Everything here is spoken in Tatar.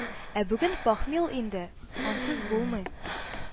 Ә бүген пахмил инде, ансыз булмый